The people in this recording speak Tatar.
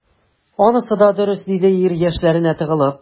Анысы да дөрес,— диде ир, яшьләренә тыгылып.